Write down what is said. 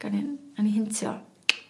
Gawn ni nawn ni hintio.